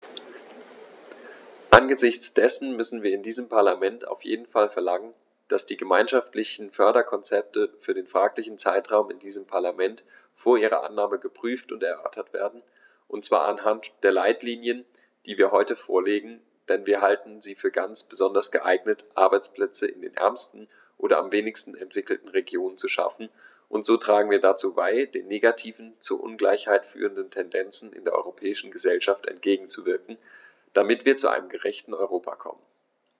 Angesichts dessen müssen wir in diesem Parlament auf jeden Fall verlangen, dass die gemeinschaftlichen Förderkonzepte für den fraglichen Zeitraum in diesem Parlament vor ihrer Annahme geprüft und erörtert werden, und zwar anhand der Leitlinien, die wir heute vorlegen, denn wir halten sie für ganz besonders geeignet, Arbeitsplätze in den ärmsten oder am wenigsten entwickelten Regionen zu schaffen, und so tragen wir dazu bei, den negativen, zur Ungleichheit führenden Tendenzen in der europäischen Gesellschaft entgegenzuwirken, damit wir zu einem gerechteren Europa kommen.